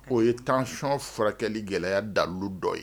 O ye tension furakɛli gɛlɛya dalilu dɔ ye